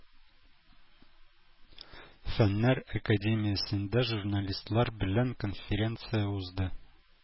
Фәннәр академиясендә журналистлар белән конференция узды.